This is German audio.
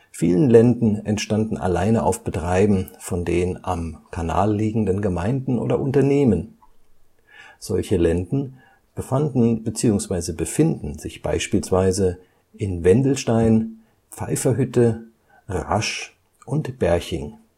Viele Länden entstanden alleine auf Betreiben von den am Kanal liegenden Gemeinden oder Unternehmen. Solche Länden befanden bzw. befinden sich beispielsweise in Wendelstein, Pfeifferhütte, Rasch und Berching